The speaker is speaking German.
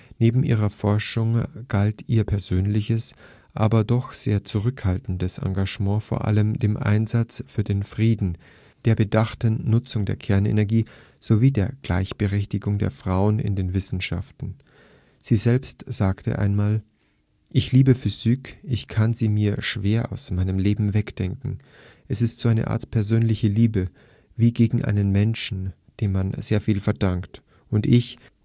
Neben ihrer Forschung galt ihr persönliches, aber doch sehr zurückhaltendes Engagement vor allem dem Einsatz für den Frieden, der bedachten Nutzung der Kernenergie sowie der Gleichberechtigung der Frauen in den Wissenschaften. Sie selbst sagte einmal: „ Ich liebe Physik, ich kann sie mir schwer aus meinem Leben wegdenken. Es ist so eine Art persönlicher Liebe, wie gegen einen Menschen, dem man sehr viel verdankt. Und ich